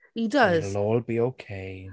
He does... And it'll all be okay.